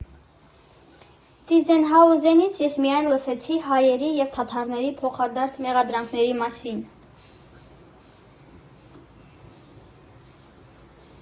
Տիզենհաուզենից ես միայն լսեցի հայերի և թաթարների փոխադարձ մեղադրանքների մասին…